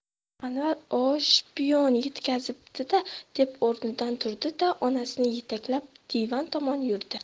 anvar o shpion yetkazibdi da deb o'rnidan turdi da onasini yetaklab divan tomon yurdi